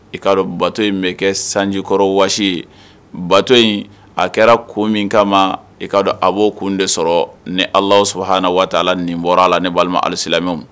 I kaa bato in bɛ kɛ sanjikɔrɔ wa ye bato in a kɛra ko min kama i k'a a'o kun de sɔrɔ ni ala sɔrɔ hana waati ala ni bɔra la ni balima alasilamɛw